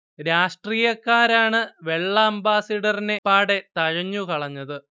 രാഷ്ട്രീയക്കാരാണ് വെള്ള അംബാസഡറിനെ അപ്പാടെ തഴഞ്ഞു കളഞ്ഞത്